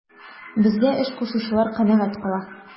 Безгә эш кушучылар канәгать кала.